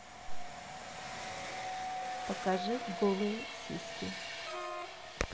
покажи голые сиськи